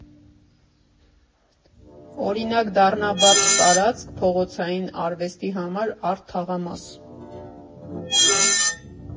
Օրինակ՝ դառնա բաց տարածք փողոցային արվեստի համար՝ արտ թաղամաս։